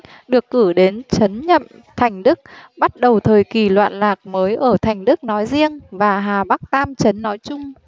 được cử đến trấn nhậm thành đức bắt đầu thời kì loạn lạc mới ở thành đức nói riêng và hà bắc tam trấn nói chung